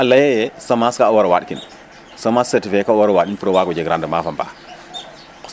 to a laya ye semence kaa war o waaɗkin semence certifier koo war o waaɗin pour o waag o jeg rendement fo mbax .